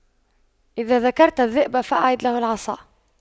إذا ذكرت الذئب فأعد له العصا